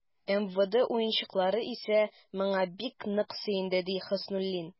МВД уенчылары исә, моңа бик нык сөенде, ди Хөснуллин.